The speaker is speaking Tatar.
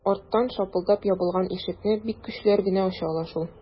Арттан шапылдап ябылган ишекне бик көчлеләр генә ача ала шул...